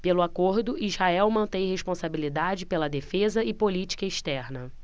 pelo acordo israel mantém responsabilidade pela defesa e política externa